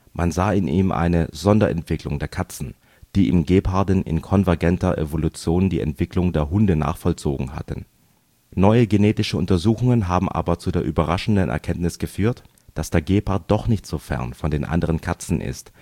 Man sah in ihm eine Sonderentwicklung der Katzen, die im Geparden in konvergenter Evolution die Entwicklung der Hunde nachvollzogen hatten. Neue genetische Untersuchungen haben aber zu der überraschenden Erkenntnis geführt, dass der Gepard doch nicht so fern von den anderen Katzen ist